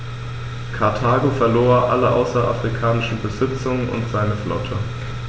Karthago verlor alle außerafrikanischen Besitzungen und seine Flotte.